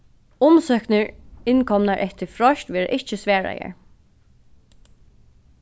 umsóknir innkomnar eftir freist verða ikki svaraðar